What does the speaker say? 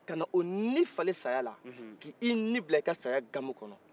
kana o nin falen sayala k'i nin bila i ka saya gamu kɔnɔ